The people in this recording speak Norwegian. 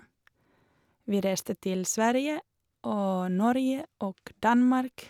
Vi reiste til Sverige og Norge og Danmark.